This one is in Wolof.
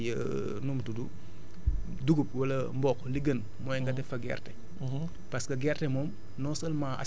donc bu déwénee foofu boo fa bu dee da nga fa béy nu mu tudd dugub wala mboq li gën mooy nga def fa gerte